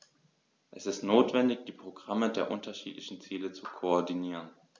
Es ist notwendig, die Programme der unterschiedlichen Ziele zu koordinieren.